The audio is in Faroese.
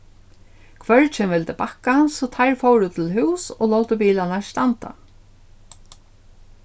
hvørgin vildi bakka so teir fóru til hús og lótu bilarnar standa